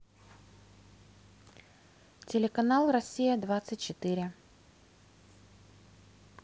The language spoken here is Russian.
телеканал россия двадцать четыре